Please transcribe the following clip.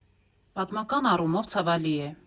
Պատմական առումով ցավալի է։